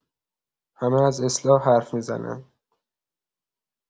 همه از اصلاح حرف می‌زنن.